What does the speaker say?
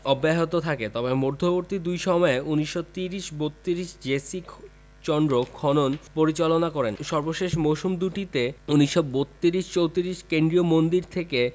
অব্যাহত থাকে তবে মধ্যবর্তী দুই মৌসুমে ১৯৩০ ৩২ জি.সি চন্দ্র খনন পরিচালনা করেন সর্বশেষ মৌসুম দুটিতে ১৯৩২ ৩৪ কেন্দ্রীয় মন্দির থেকে